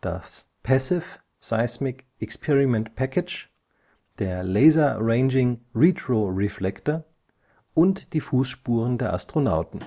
das Passive Seismic Experiment Package, der Laser Ranging RetroReflector und die Fußspuren der Astronauten